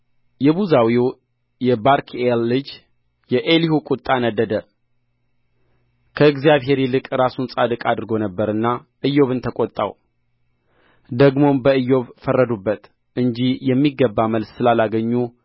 የቡዛዊው የባርክኤል ልጅ የኤሊሁ ቍጣ ነደደ ከእግዚአብሔር ይልቅ ራሱን ጻድቅ አድርጎ ነበርና ኢዮብን ተቈጣው ደግሞም በኢዮብ ፈረዱበት እንጂ የሚገባ መልስ ስላላገኙ